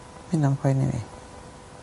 Hynna'n poeni fi.